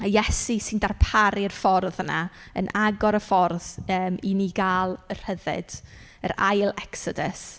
A Iesu sy'n darparu'r ffordd yna, yn agor y ffordd yym i ni gael y rhyddid, yr ail Exodus.